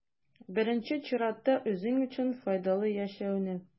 Беренче чиратта, үзең өчен файдалы яшәүне.